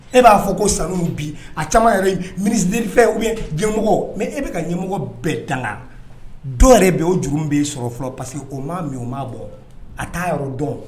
E b'a fɔ ko saniw ,bi a caman yɛrɛ ministre de fɛn ou bien , ɲɛmɔgɔ Mais e bɛka ɲɛmɔgɔ bɛɛ danka donc ,e yɛrɛ bɛ o jurumi sɔrɔ fɔlɔ ' parce que o min ma'a min a m'a bɔn a t'a yɔrɔ don